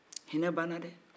hinɛ banna dɛ